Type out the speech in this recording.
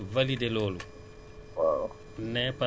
service technique yi tamit valider loolu